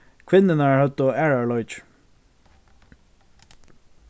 kvinnurnar høvdu aðrar leikir